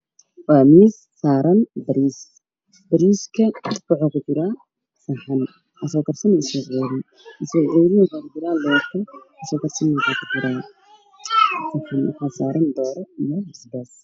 Waxay i muuqdo saxan ugu jiro bariis midafkiisa iyo jaalo saaranyahay bac ayaa ka dambeysa